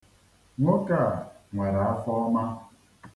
Nwoke a nwere afọọma.